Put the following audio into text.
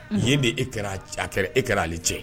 Nin ye de e kɛr'a c a kɛra e kɛr'ale cɛ ye